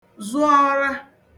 zụọra